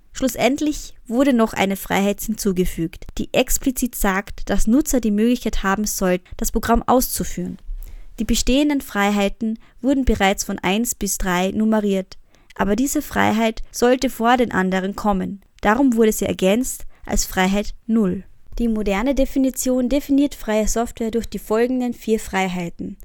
Schlussendlich wurde noch eine Freiheit hinzugefügt, die explizit sagt, dass Nutzer die Möglichkeit haben sollten, das Programm auszuführen. Die bestehenden Freiheiten wurden bereits von eins bis drei nummeriert, aber diese Freiheit sollte vor den anderen kommen, darum wurde sie ergänzt als „ Freiheit null “. Die moderne Definition definiert freie Software durch die folgenden vier Freiheiten